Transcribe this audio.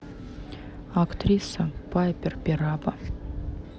актриса пайпер перабо